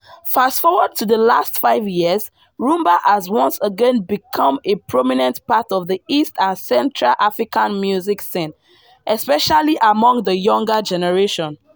Fast forward to the last five years, Rhumba has once again become a prominent part of the East and Central African music scene, especially among the younger generation.